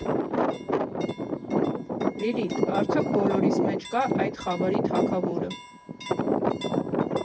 Լիլիթ, արդյո՞ք բոլորիս մեջ կա այդ խավարի թագավորը։